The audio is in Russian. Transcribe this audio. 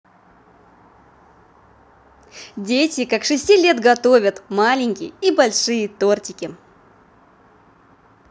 дети как шести лет готовят маленькие и большие тортики